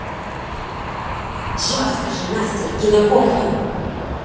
джой скажи настя иди на кухню